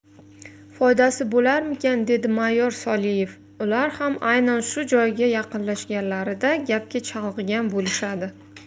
foydasi bo'larmikin dedi mayor soliev ular ham aynan shu joyga yaqinlashganlarida gapga chalg'igan bo'lishadi